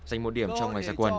giành một điểm trong ngày ra quân